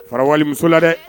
Fara walemuso la dɛ!